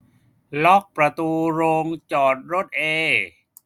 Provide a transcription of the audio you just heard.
ล็อกประตูโรงจอดรถเอ